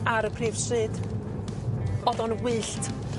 ar y prif stryd. Odd o'n wyllt.